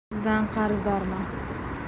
sizdan qarzdorman